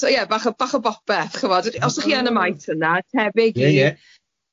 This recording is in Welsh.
So ie bach o bach o bopeth ch'ibod os 'y chi yn y maes yna tebyg i... ie ie...